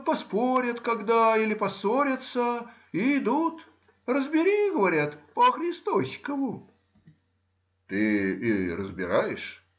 — Поспорят когда или поссорятся, и идут: Разбери, говорят, по-христосикову. — Ты и разбираешь?